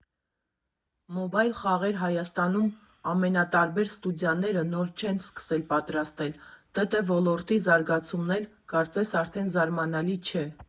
Մոբայլ խաղեր Հայաստանում ամենատարբեր ստուդիաները նոր չեն սկսել պատրաստել, ՏՏ ոլորտի զարգացումն էլ, կարծես, արդեն զարամանլի չէ։